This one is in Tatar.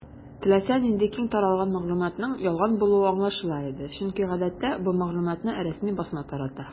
Теләсә нинди киң таралган мәгълүматның ялган булуы аңлашыла иде, чөнки гадәттә бу мәгълүматны рәсми басма тарата.